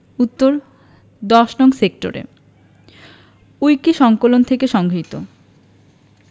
উত্তরঃ ১০নং সেক্টরে উইকিসংকলন হতে সংগৃহীত